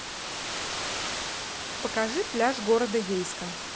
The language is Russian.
покажи пляж города ейска